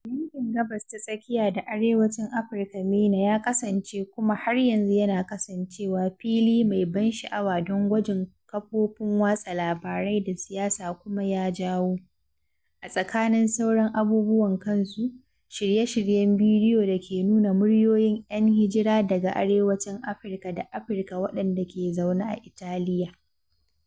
Yankin Gabas ta Tsakiya da Arewacin Afirka (MENA) ya kasance (kuma har yanzu yana kasancewa) fili mai ban sha’awa don gwajin kafofin watsa labarai da siyasa kuma ya jawo, a tsakanin sauran abubuwan kansu, shirye-shiryen bidiyo da ke nuna muryoyin ‘yan hijira daga Arewacin Afirka da Afirka waɗanda ke zaune a Italiya.